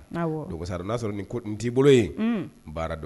N y'a sɔrɔ nin ko n' bolo baara dɔn